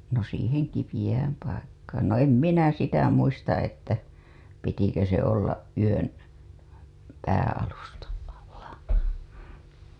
no siihen kipeään paikkaan no en minä sitä muista että pitikö se olla yön päänalustan alla